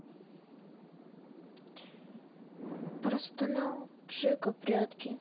простонал джека прятки